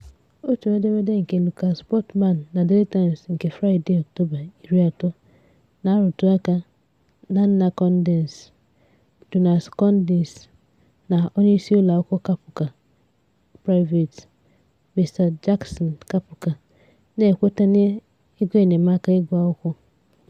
Otu edemede nke Lucas Bottoman na Daily Times nke Fraịdee October 30th na-arutuaka ma nna Kondesi, Jonas Kondesi, na Onyeisi ụlọakwụkwọ Kaphuka Private, Mr. Jackson Kaphuka, na-ekwete n'egoenyemaka iguakwụkwọ.